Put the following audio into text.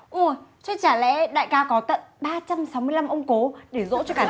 uôi thế chả lẽ đại ca có tận ba trăm sáu mươi lăm ông cố để giỗ cho cả